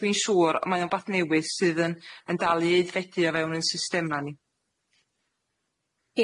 dwi'n siŵr on' mae o wbath newydd sydd yn yn dal i aeddfedu o fewn ein systema ni.